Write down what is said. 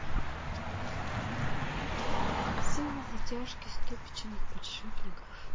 сила затяжки ступичных подшипников